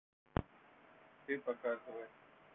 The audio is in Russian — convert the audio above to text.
ты показывай